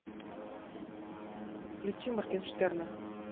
включи моргенштерна